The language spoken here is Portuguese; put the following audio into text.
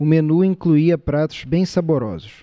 o menu incluía pratos bem saborosos